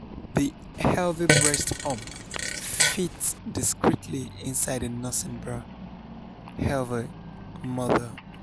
The Elvie breast pump fits discreetly inside a nursing bra (Elvie/Mother)